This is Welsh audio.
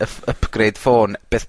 y ff- upgrade ffôn, beth...